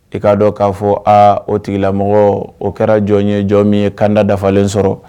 I k'a dɔn k'a fɔ a o tigilamɔgɔ o kɛra jɔn ye jɔn min ye kanda dafalen sɔrɔ